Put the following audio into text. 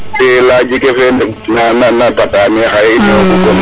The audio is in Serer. *